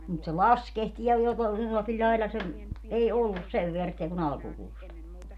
mutta se laskehti ja joko jollakin lailla se ei ollut sen väärttiä kuin alkukuusta